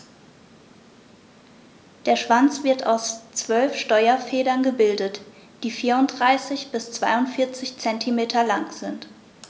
Der Schwanz wird aus 12 Steuerfedern gebildet, die 34 bis 42 cm lang sind.